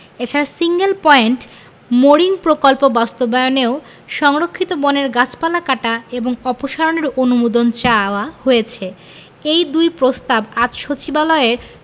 এছাড়া single point mooring প্রকল্প বাস্তবায়নেও সংরক্ষিত বনের গাছপালা কাটা এবং অপসারণের অনুমোদন চাওয়া হয়েছে এ দুই প্রস্তাব আজ সচিবালয়ের